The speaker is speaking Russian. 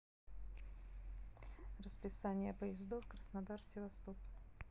расписание поездов краснодар севастополь